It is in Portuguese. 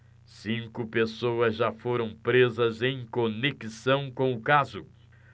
cinco pessoas já foram presas em conexão com o caso